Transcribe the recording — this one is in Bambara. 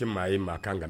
Ni maa ye maa kan ka